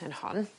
yn hon